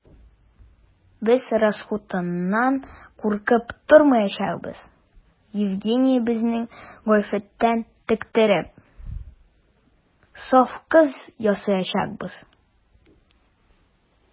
Без расхутыннан куркып тормаячакбыз: Евгениябезнең гыйффәтен тектереп, саф кыз ясаячакбыз.